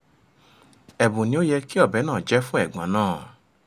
Ẹ̀bùn ni ó yẹ kí ọbẹ̀ náà jẹ́ fún ẹ̀gbọ́n náà.